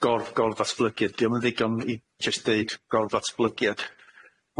gor- gor-datblygiad 'di o'm yn ddigon i jyst deud gor-datblygiad.